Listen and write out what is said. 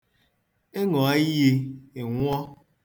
Ị nụọ iyi, ị nwụọ.